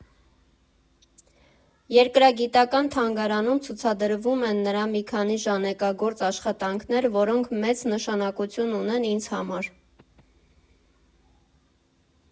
Երկրագիտական թանգարանում ցուցադրվում են նրա մի քանի ժանեկագործ աշխատանքներ, որոնք մեծ նշանակություն ունեն ինձ համար։